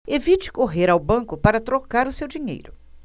evite correr ao banco para trocar o seu dinheiro